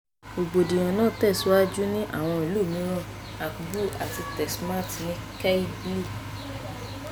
Rògbòdìyàn náà tẹ̀síwájú ní àwọn ìlú mìíràn: Akbou àti Tazmalt ní Kabylie.